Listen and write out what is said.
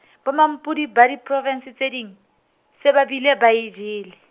bo mampodi ba diprovinse tse ding, se ba bile ba e jele.